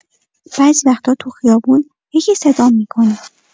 بعضی وقتا تو خیابون یکی صدام می‌کنه.